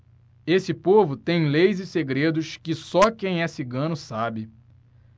esse povo tem leis e segredos que só quem é cigano sabe